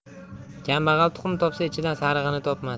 kambag'al tuxum topsa ichidan sarig'ini topmas